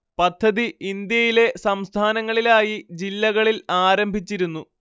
പദ്ധതി ഇന്ത്യയിലെ സംസ്ഥാനങ്ങളിലായി ജില്ലകളിൽ ആരംഭിച്ചിരുന്നു